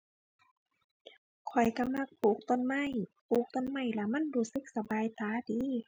ข้อยก็มักปลูกต้นไม้ ปลูกต้นไม้แล้วมันรู้สึกสบายตาดี